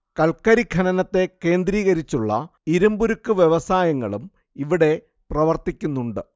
കൽക്കരി ഖനനത്തെ കേന്ദ്രീകരിച്ചുള്ള ഇരുമ്പുരുക്ക് വ്യവസായങ്ങളും ഇവിടെ പ്രവർത്തിക്കുന്നുണ്ട്